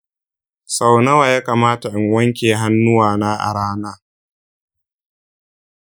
sau nawa ya kamata in wanke hannuwana a rana?